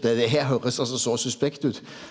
det det her høyrast altså så suspekt ut.